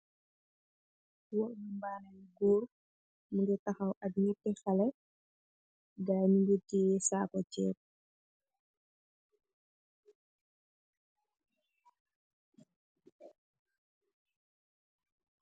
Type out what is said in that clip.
wo bu mbaana yu guur mungi taxaw ak nitti xale gaynu ngir ciy saako céep.